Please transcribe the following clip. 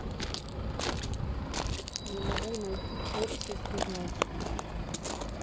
не могу найти код шестизначный